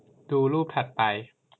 ดูรูปถัดไป